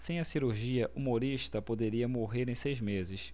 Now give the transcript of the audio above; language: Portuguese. sem a cirurgia humorista poderia morrer em seis meses